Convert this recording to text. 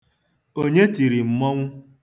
Onye tiri mmọnwụ?